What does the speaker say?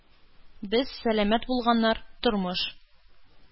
Без, сәламәт булганнар, тормыш